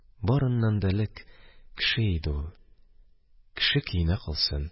Барыннан да элек, кеше иде ул, кеше көенә калсын.